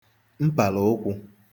mpàlà ụkwụ̄